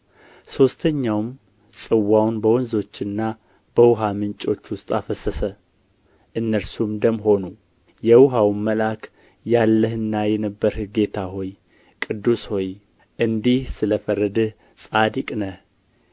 ሦስተኛውም ጽዋውን በወንዞችና በውኃ ምንጮች ውስጥ አፈሰሰ እነርሱም ደም ሆኑ የውኃውም መልአክ ያለህና የነበርህ ጌታ ሆይ ቅዱስ ሆይ እንዲህ ስለፈረድህ ጻድቅ ነህ